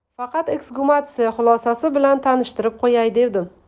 faqat eksgumatsiya xulosasi bilan tanishtirib qo'yay devdim